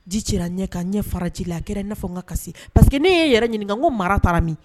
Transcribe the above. Ji ci ɲɛ' ɲɛ faraji a kɛra n ne fɔ n ka kasi pariseke que ne y'e yɛrɛ ɲininka ko mara taara min